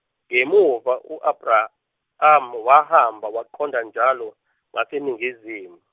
ngemuva u Abrahamu wahamba waqonda njalo, ngaseNingizimu.